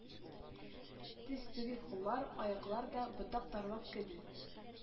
Төз түгел куллар, аяклар да — ботак-тармак кеби.